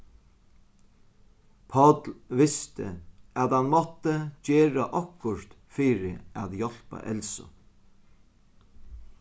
páll visti at hann mátti gera okkurt fyri at hjálpa elsu